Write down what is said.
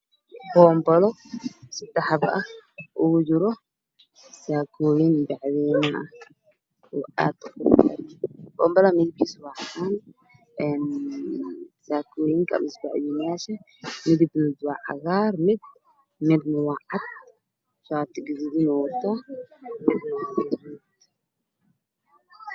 Boonbalo seddex xabo ah waxaa kujiro saakooyin bacwayne ah. Boonbaluhu waa cadaan, saakooyinku waa cagaar iyo cadaan oo shaati gaduudan wato.